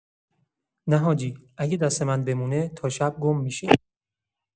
نه حاجی، اگه دست من بمونه تا شب گم می‌شه.